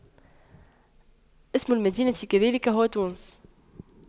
اسم المدينة كذلك هو تونس